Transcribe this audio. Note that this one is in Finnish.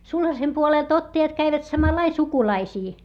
sulhasen puolelta ottajat kävivät samalla lailla sukulaisiin